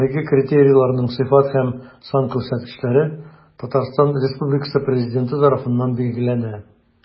Әлеге критерийларның сыйфат һәм сан күрсәткечләре Татарстан Республикасы Президенты тарафыннан билгеләнә.